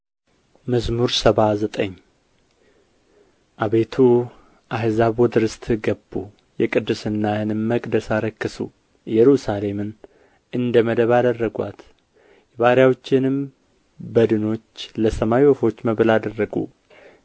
መዝሙር ሰባ ዘጠኝ አቤቱ አሕዛብ ወደ ርስትህ ገቡ የቅድስናህንም መቅደስ አረከሱ ኢየሩሳሌምንም እንደ መደብ አደረጉአት የባሪያዎችህንም በድኖች ለሰማይ ወፎች መብል አደረጉ